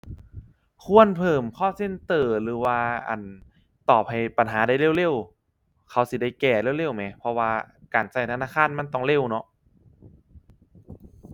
ควรเพิ่ม call center หรือว่า อั่น ตอบให้ปัญหาได้เร็วเร็ว เขาสิได้แก้เร็วเร็วแหม เพราะว่าการใช้ธนาคารมันต้องเร็วเนาะ